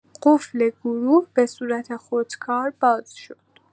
قفل گروه به صورت خودکار باز شد.